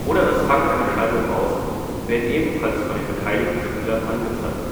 oder das Fangen einer Scheibe im „ Aus “werden ebenfalls von den beteiligten Spielern angezeigt